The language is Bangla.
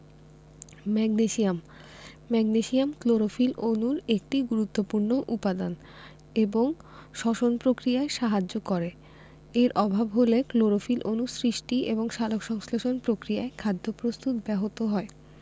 ম্যাগনেসিয়াম ম্যাগনেসিয়াম ক্লোরোফিল অণুর একটি গুরুত্বপুর্ণ উপাদান এবং শ্বসন প্রক্রিয়ায় সাহায্য করে এর অভাব হলে ক্লোরোফিল অণু সৃষ্টি এবং সালোকসংশ্লেষণ প্রক্রিয়ায় খাদ্য প্রস্তুত ব্যাহত হয়